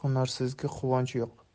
hunarsizga quvonch yo'q